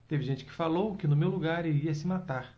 teve gente que falou que no meu lugar iria se matar